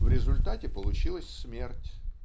в результате получилась смерть.